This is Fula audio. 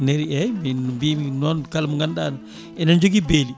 neri eyyi min mbimi noon kala mo ganduɗa enen jogui beeli